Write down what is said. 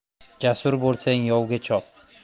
jasur bo'lsang yovga chop